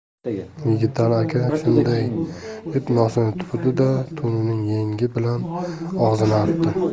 yigitali aka shunday deb nosni tupurdi da to'nining yengi bilan og'zini artdi